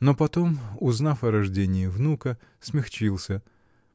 но потом, узнав о рождении внука, смягчился,